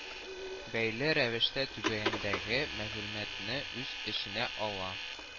Бәйле рәвештә түбәндәге мәгълүматны үз эченә ала